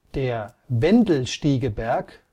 Der " Wendelstiege-Berg